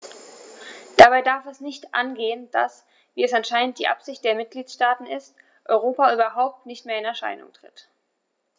Dabei darf es nicht angehen, dass - wie es anscheinend die Absicht der Mitgliedsstaaten ist - Europa überhaupt nicht mehr in Erscheinung tritt.